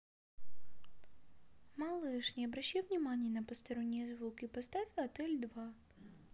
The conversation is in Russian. малыш не обращай внимания на посторонние звуки поставь отель два